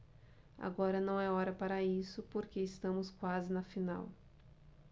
agora não é hora para isso porque estamos quase na final